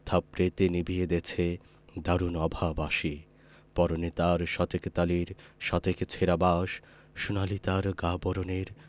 থাপড়েতে নিবিয়ে দেছে দারুণ অভাব আসি পরনে তার শতেক তালির শতেক ছেঁড়া বাস সোনালি তার গা বরণের